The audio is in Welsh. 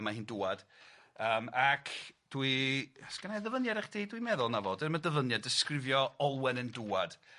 A mae hi'n dŵad yym ac dwi os gynna i ddyfyniad i chdi dwi'n meddwl 'na fo d'di o'm y' dyfyniad disgrifio Olwen yn dŵad